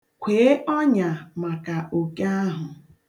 Kwee ọnya maka oke ahụ.